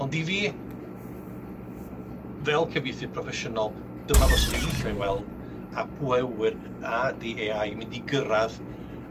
Ond i fi, fel cyfieithydd proffesiynol, dyma fyswn i'n licio 'i wel' a pwy a wyr a ydi Ay I mynd i gyrradd